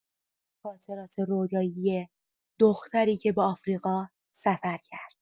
خاطرات رویایی دختری که به آفریقا سفر کرد